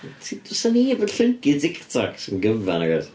Ti... does na neb yn llyncu Tic Tacs yn gyfan nag oes.